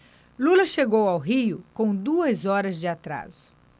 lula chegou ao rio com duas horas de atraso